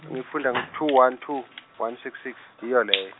two one two one six six .